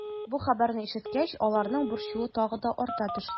Бу хәбәрне ишеткәч, аларның борчуы тагы да арта төште.